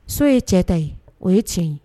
So ye cɛ ta ye o ye tiɲɛ ye